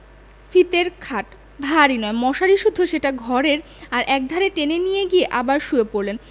ফিতের খাট ভারী নয় মশারি সুদ্ধ সেটা ঘরের আর একধারে টেনে নিয়ে গিয়ে আবার শুয়ে পড়লেন